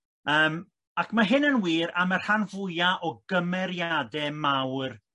Yym ac ma' hyn yn wir am y rhan fwya' o gymeriade mawr